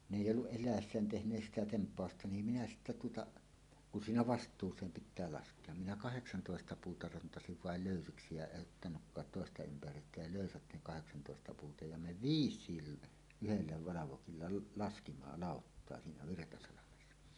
ne ei ollut eläessään tehneet sitä tempausta niin minä sitten tuota kun siinä vastuuseen pitää laskea minä kahdeksantoista puuta rantasin vain löysiksi ja en ottanutkaan toista ympäryyttä ja löysät ne kahdeksantoesta puuta ja me viisikin yhdellä valvokilla - laskimme lauttaa siinä Virtasalmessa